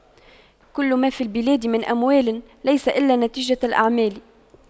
كل ما في البلاد من أموال ليس إلا نتيجة الأعمال